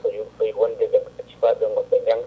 tawi tawi wonde sukaɓe goppe jangga